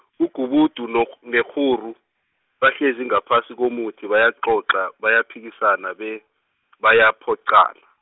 ugubudu nogh- nekghuru, bahlezi ngaphasi komuthi bayacoca, bayaphikisana, bebayaphoqana.